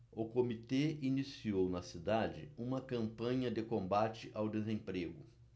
o comitê iniciou na cidade uma campanha de combate ao desemprego